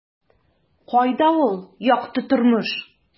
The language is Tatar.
Кайда ул - якты тормыш? ..